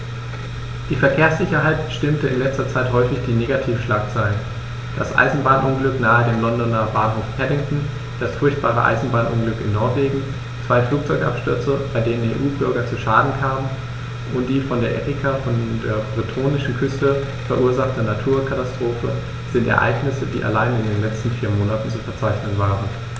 Die Verkehrssicherheit bestimmte in letzter Zeit häufig die Negativschlagzeilen: Das Eisenbahnunglück nahe dem Londoner Bahnhof Paddington, das furchtbare Eisenbahnunglück in Norwegen, zwei Flugzeugabstürze, bei denen EU-Bürger zu Schaden kamen, und die von der Erika vor der bretonischen Küste verursachte Naturkatastrophe sind Ereignisse, die allein in den letzten vier Monaten zu verzeichnen waren.